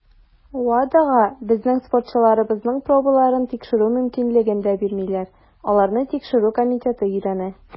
WADAга безнең спортчыларыбызның пробаларын тикшерү мөмкинлеген дә бирмиләр - аларны Тикшерү комитеты өйрәнә.